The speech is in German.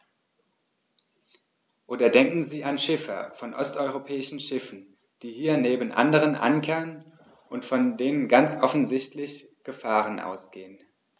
Oder denken Sie an Schiffer von osteuropäischen Schiffen, die hier neben anderen ankern und von denen ganz offensichtlich Gefahren ausgehen.